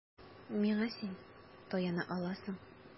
Миңа син таяна аласың.